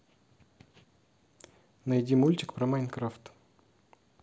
найди мультик про майнкрафт